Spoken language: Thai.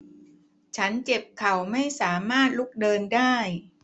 ฉันเจ็บเข่าไม่สามารถลุกเดินได้